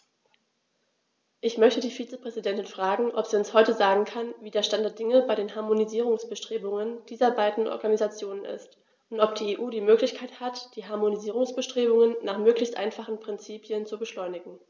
Ich möchte die Vizepräsidentin fragen, ob sie uns heute sagen kann, wie der Stand der Dinge bei den Harmonisierungsbestrebungen dieser beiden Organisationen ist, und ob die EU die Möglichkeit hat, die Harmonisierungsbestrebungen nach möglichst einfachen Prinzipien zu beschleunigen.